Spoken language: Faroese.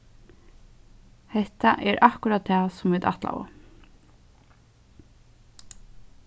hetta er akkurát tað sum vit ætlaðu